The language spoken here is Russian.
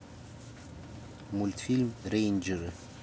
мультфильм рейнджеры